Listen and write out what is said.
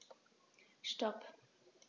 Stop.